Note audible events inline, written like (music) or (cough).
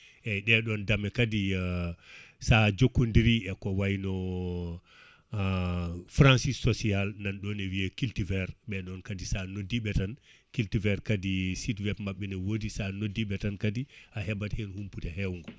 (breath) eyyi ɗeɗon daame kadi (hesitation) sa jokkodiri eko wayno (hesitation) franchise sociale nanɗo ne wiiye cultivert ɓeɗon kadi sa noddiɓe tan (breath) cutivert kadi site web mabɓe ne wodi sa noddiɓe tan kadi a heɓat hen humpito hewgo